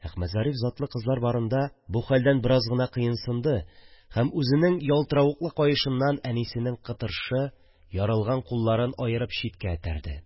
Әхмәтзариф затлы кызлар барында бу хәлдән бераз гына кыенсынды һәм үзенең ялтыравыклы каешыннан әнисенең кытыршы, ярылган кулларын аерып читкә этәрде